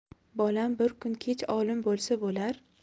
bolam bir kun kech olim bo'lsa bo'lar